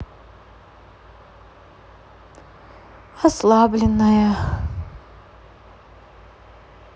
ослабленная